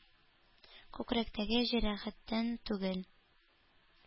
Күкрәктәге җәрәхәттән түгел,